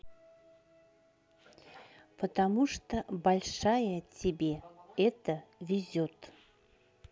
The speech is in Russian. потому что большая тебе это везет